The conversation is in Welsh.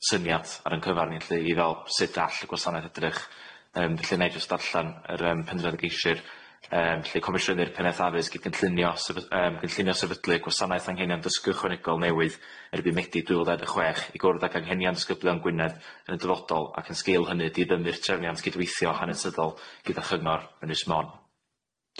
syniad ar 'yn cyfar ni felly i wel' sud all y gwasanaeth edrych yym felly nai jyst darllan yr yym penderfyniad y geishir yym lle comishynir pennaeth addysg i gynllunio sefy- yym gynllunio sefydlu gwasanaeth anghenion dysgu ychwanegol newydd erbyn Medi dwy fil dau ddeg y chwech i gwrdd ag anghenion disgyblion Gwynedd yn y dyfodol ac yn sgîl hynny diddymu'r trefniant gydweithio hanesyddol gyda chyngor Ynys Mon.